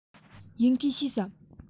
དབྱིན སྐད ཤེས སམ